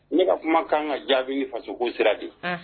Ne ka kuma kan ka jaabi ni fasoko sira de ye, anhan.